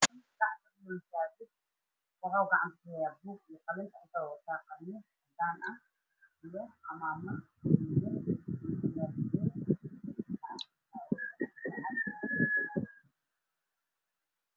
Nin meel fadhiyo oo wax qoraayo